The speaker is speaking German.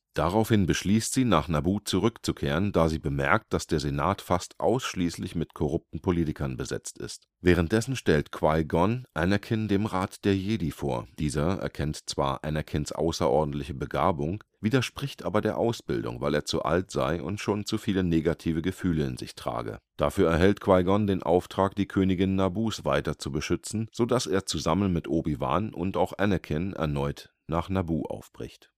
Daraufhin beschließt sie, nach Naboo zurückzukehren, da sie bemerkt, dass der Senat fast ausschließlich mit korrupten Politikern besetzt ist. Währenddessen stellt Qui-Gon Anakin dem Rat der Jedi vor. Dieser erkennt zwar Anakins außerordentliche Begabung, widerspricht aber der Ausbildung, weil er zu alt sei und schon zuviele negative Gefühle in sich trage. Dafür erhält Qui-Gon den Auftrag, die Königin Naboos weiter zu beschützen, so dass er zusammen mit Obi-Wan und auch Anakin erneut nach Naboo aufbricht